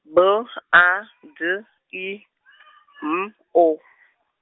B A D I M O.